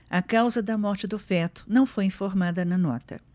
a causa da morte do feto não foi informada na nota